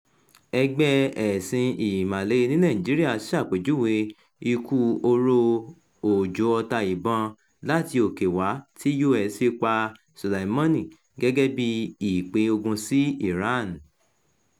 Ẹgbẹ́ Ẹ̀sìn Ìmàle ní Nàìjíríà ṣàpèjúwe ikú oró òjò ọta ìbọn láti òkè wá tí US fi pa Soleimani gẹ́gẹ́ bí "ìpè ogun sí Ìran".